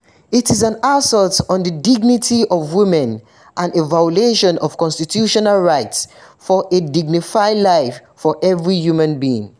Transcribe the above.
It is an assault on the dignity of women and a violation of constitutional rights for a dignified life for every human being.